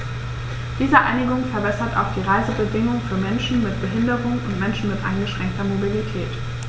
Diese Einigung verbessert auch die Reisebedingungen für Menschen mit Behinderung und Menschen mit eingeschränkter Mobilität.